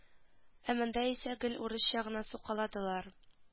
Ә монда исә гел урысча гына сукаладылар